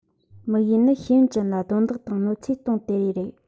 དམིགས ཡུལ ནི ཤེས ཡོན ཅན ལ རྡུང རྡེག དང གནོད འཚེ གཏོང དེ རེད